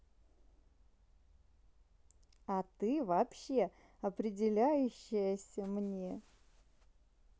а ты вообще определяющаяся мне